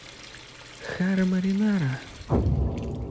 харо маринаро